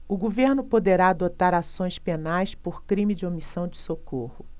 o governo poderá adotar ações penais por crime de omissão de socorro